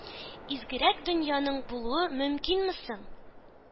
Изгерәк дөньяның булуы мөмкинме соң?!